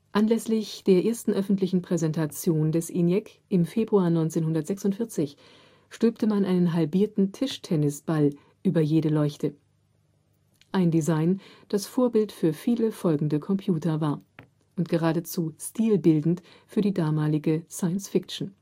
Anlässlich der ersten öffentlichen Präsentation des ENIAC im Februar 1946 stülpte man einen halbierten Tischtennisball über jede Leuchte – ein Design, das Vorbild für viele folgende Computer war und geradezu stilbildend für die damalige Science-Fiction